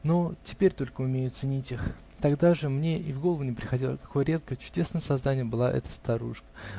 но теперь только умею ценить их, -- тогда же мне и в голову не приходило, какое редкое, чудесное создание была эта старушка.